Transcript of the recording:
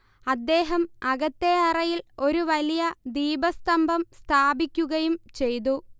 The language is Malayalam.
അദ്ദേഹം അകത്തെ അറയിൽ ഒരു വലിയ ദീപസ്തംഭം സ്ഥാപിക്കുകയും ചെയ്തു